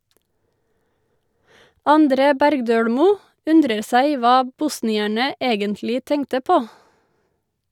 André Bergdølmo undrer seg hva bosnierne egentlig tenkte på.